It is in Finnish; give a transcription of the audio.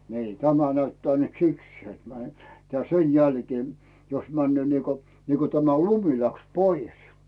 niin tämä näyttää nyt sikseen tämä - sen jälkeen jos menee niin kuin niin kuin tämä lumi lähti pois